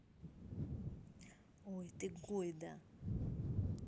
ой ты гой да